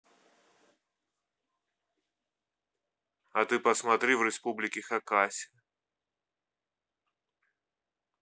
а ты посмотри в республике хакасия